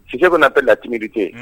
S si kɔnɔ p latinidite